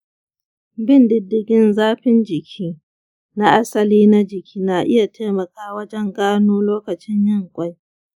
bin diddigin zafin jiki na asali na jiki na iya taimaka wajen gano lokacin yin ƙwai .